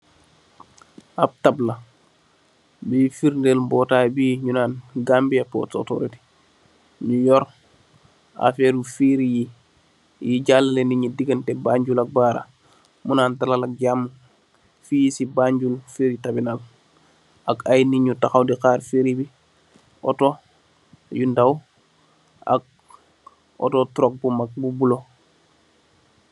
Ap tapla bui ferdël mbotay bi ñi nan Gambia Port Authority ñuyor aferu feriyi yi jalaleh nit yi ci deganteh Banjul ak Barra munan dalal ak jàamu fii ci Banjul ferri taminal ak ay nit ñju taxaw di xarr ferri bi Otto yu ndaw ak Otto truk bu mak bu bula.